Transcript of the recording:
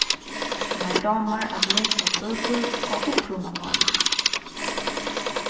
mær dámar at lesa bøkur á upprunamáli